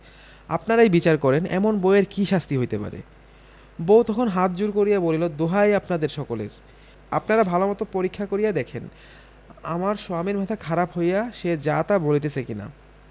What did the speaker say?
আপনারাই বিচার করেন এমন বউ এর কি শাস্তি হইতে পারে বউ তখন হাত জোড় করিয়া বলিল দোহাই আপনাদের সকলের আপনারা ভালোমতো পরীক্ষা করিয়া দেখেন আমার সোয়ামীর মাথা খারাপ হইয়া সে যাতা' বলিতেছে কিনা